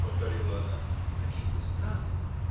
— повторила она, — какие вы странные!